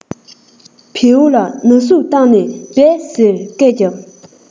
བེའུ ལ ན ཟུག བཏང ནས སྦད ཟེར སྐད རྒྱབ